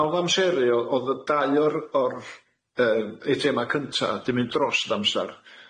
Ma'n anodd amseru o- o'dd y dau o'r o'r yy eitema cynta 'di mynd drosd amsar